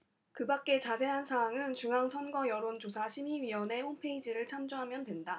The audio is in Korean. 그밖의 자세한 사항은 중앙선거여론조사심의위원회 홈페이지를 참조하면 된다